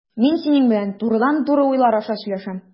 Мин синең белән турыдан-туры уйлар аша сөйләшәм.